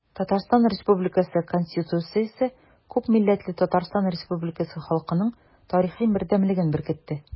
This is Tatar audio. Татарстан Республикасы Конституциясе күпмилләтле Татарстан Республикасы халкының тарихы бердәмлеген беркетте.